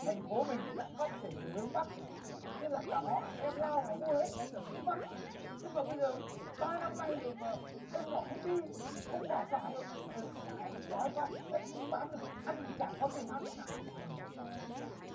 thành phố mình sẽ phát triển về hướng bắc thế là cả họ nhà em lao vào mua hết đất ở hướng bắc thế mà bây giờ ba năm nay rồi mà dân họ không đi không giải tỏa được mà nhà em thì đói quá đất cũng bán được ăn thì chả có tiền ăn anh ạ theo anh